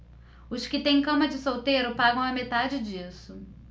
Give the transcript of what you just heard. os que têm cama de solteiro pagam a metade disso